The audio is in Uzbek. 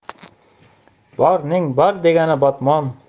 borning bor degani botmon